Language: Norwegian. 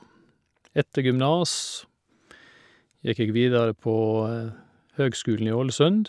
Etter gymnas gikk jeg videre på Høgskulen i Ålesund.